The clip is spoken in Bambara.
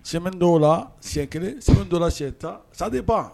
Sɛ dɔw o la sɛ kelen sɛ dɔw la sɛ tan sa deba